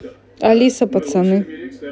алиса пацаны